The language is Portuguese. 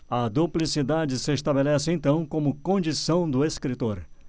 a duplicidade se estabelece então como condição do escritor